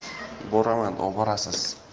boraman oborasiz